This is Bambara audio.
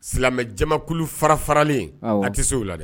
Silamɛjamakulu fara faralen. Awɔ. A' tɛ s'o la dɛ!